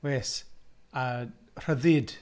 Oes, a rhyddud.